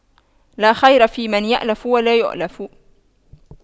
لا خير فيمن لا يَأْلَفُ ولا يؤلف